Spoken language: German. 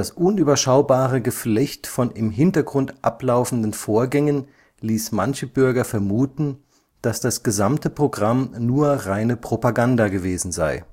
unüberschaubare Geflecht von im Hintergrund ablaufenden Vorgängen ließ manche Bürger vermuten, dass das gesamte Programm nur reine Propaganda gewesen sei